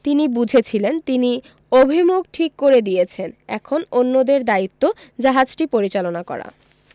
তিনি বুঝেছিলেন তিনি অভিমুখ ঠিক করে দিয়েছেন এখন অন্যদের দায়িত্ব জাহাজটি পরিচালনা করা